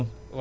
bilaay